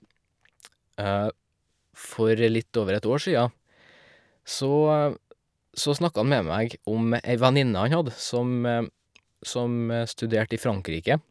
For litt over ett år sia så så snakka han med meg om ei venninne han hadde som som studerte i Frankrike.